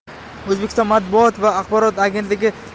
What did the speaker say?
o'zbekiston matbuot va axborot agentligi